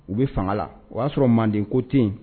U be faŋa la o y'a sɔrɔ Manden ko te yen